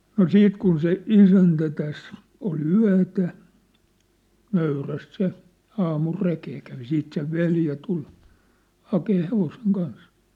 no siitä kun se isäntä tässä oli yötä nöyrästi se aamulla rekeen kävi siitä sen veli tuli hakemaan hevosen kanssa